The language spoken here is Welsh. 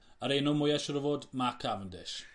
a'r enw mwya siŵr o fod Mark Cavendish.